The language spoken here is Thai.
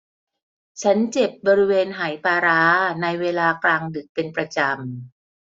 ฉันเจ็บบริเวณไหปลาร้าในเวลากลางดึกเป็นประจำ